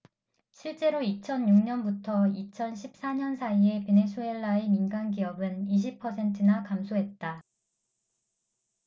실제로 이천 육 년부터 이천 십 사 년 사이에 베네수엘라의 민간기업은 이십 퍼센트나 감소했다